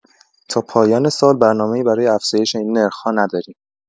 تا پایان سال برنامه‌ای برای افزایش این نرخ‌ها نداریم.